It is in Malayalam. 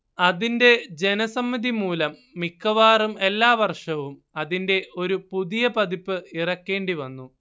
അതിന്റെ ജനസമ്മതിമൂലം മിക്കവാറും എല്ലാവർഷവും അതിന്റെ ഒരു പുതിയപതിപ്പ് ഇറക്കേണ്ടിവന്നു